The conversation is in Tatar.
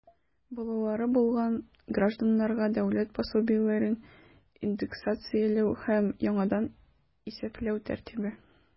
Балалары булган гражданнарга дәүләт пособиеләрен индексацияләү һәм яңадан исәпләү тәртибе.